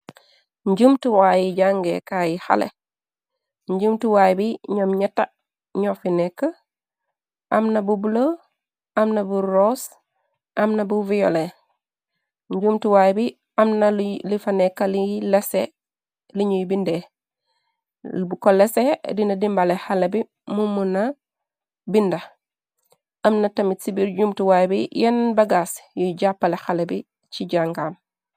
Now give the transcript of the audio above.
Njumtuwaay yi jangeekaa yi xale njumtuwaay bi ñoom ñeta ñoofi nekk amna bu blo amna bu ros amna bu viole njumtuwaay bi amna li fa nekkali lese liñuy bindeeu ko lese dina dimbale xale bi mumu na binda amna tamit sibiir jumtuwaay bi yenn bagaas yuy jàppale xale bi ci jàngaam.